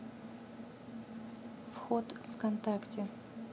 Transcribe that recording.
вход вконтакте